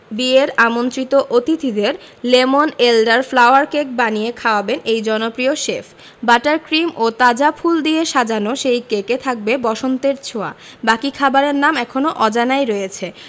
বিয়ের আমন্ত্রিত অতিথিদের লেমন এলডার ফ্লাওয়ার কেক বানিয়ে খাওয়াবেন এই জনপ্রিয় শেফ বাটার ক্রিম ও তাজা ফুল দিয়ে সাজানো সেই কেকে থাকবে বসন্তের ছোঁয়া বাকি খাবারের নাম এখনো অজানাই রয়েছে